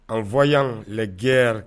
En voyant les guerres